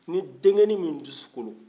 ni den kɛ nin min dusukolo